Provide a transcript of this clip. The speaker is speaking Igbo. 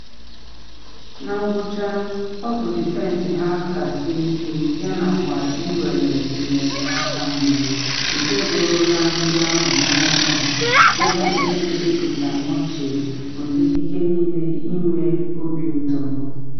Na ngwụcha, ọ bụ difensị ha ka sie ike, yanakwa iwere ohere ha ka mma, nke burulu ndị ahụ nọ n’ụlọ, yana onye ndu Peter Murchie nwere ikike niile ịnwe obi ụtọ.